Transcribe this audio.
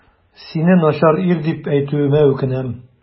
Сине начар ир дип әйтүемә үкенәм.